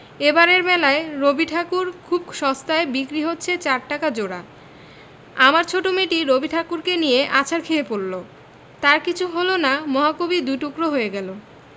এবারের মেলায় রবিঠাকুর খুব সস্তায় বিক্রি হচ্ছে চার টাকা জোড়া আমার ছোট মেয়েটি রবিঠাকুরকে নিয়ে আছাড় খেয়ে পড়ল তার কিছু হল না মহাকবি দু'টুকরো হয়ে গেলেন